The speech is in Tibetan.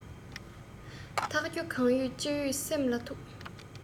ཐུག རྒྱུ གང ཡོད ཅི ཡོད སེམས ལ ཐུག